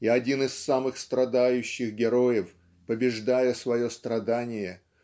И один из самых страдающих героев побеждая свое страдание